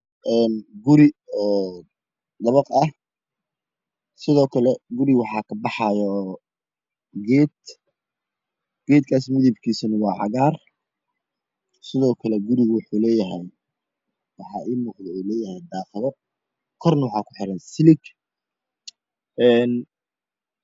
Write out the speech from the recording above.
Een guri oo dabaq ah sidoo kale guriga waxaa ka baxaayo geed geedkaas midabkiisana waa cagaar sidoo kale guriga wuxuu leeyahay waxaa ii muuqdo uu leeyahay daaqado korna waxaa ku xiran silig een